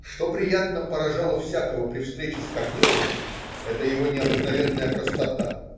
Что приятно поражало всякого при встрече с Корниловым - это его необыкновенная простота.